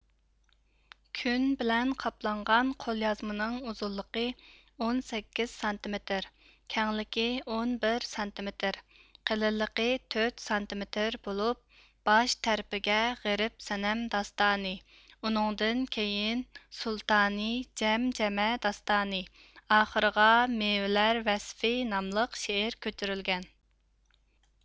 كۈن بىلەن قاپلانغان قوليازمىنىڭ ئۇزۇنلۇقى ئون سەككىز سانتىمېتىر كەڭلىكى ئون بىر سانتىمېتىر قېلىنلىقى تۆت سانتىمېتىر بولۇپ باش تەرىپىگە غېرىب سەنەم داستانى ئۇنىڭدىن كېيىن سۇلتانى جەمجەمە داستانى ئاخىرىغا مېۋىلەر ۋەسفى ناملىق شېئىر كۆچۈرۈلگەن